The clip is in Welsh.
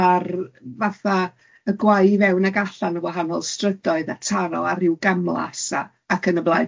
a'r fatha y gwae i fewn ag allan o wahanol strydoedd a taro a ryw gamlas a ac yn y blaen.